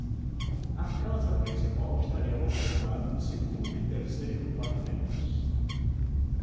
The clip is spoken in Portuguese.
a casa principal estaria localizada no segundo e terceiro pavimentos